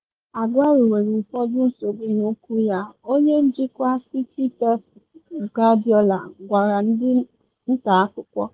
“Aguero nwere ụfọdụ nsogbu n’ụkwụ ya,” Onye njikwa City Pep Guardiola gwara ndị nta akụkọ.